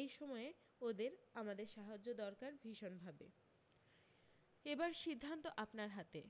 ই সময়ে ওদের আমাদের সাহায্য দরকার ভীষণভাবে এবার সিদ্ধান্ত আপনার হাতে